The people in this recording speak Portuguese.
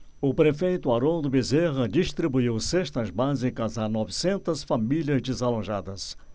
o prefeito haroldo bezerra distribuiu cestas básicas a novecentas famílias desalojadas